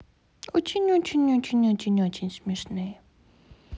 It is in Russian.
очень очень очень очень очень смешные